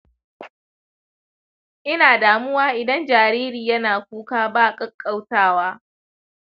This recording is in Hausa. ina damuwa idan jariri yana kuka ba ƙaƙƙautawa.